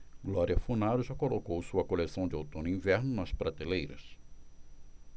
glória funaro já colocou sua coleção de outono-inverno nas prateleiras